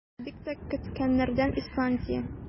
Без бик тә көткәннәрдән - Исландия.